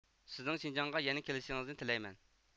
سىزنىڭ شىنجاڭغا يەنە كېلىشىڭىزنى تىلەيمەن